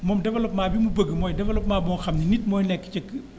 moom développement bi mu bëgg mooy développement boo xam ne nit mooy nekk ca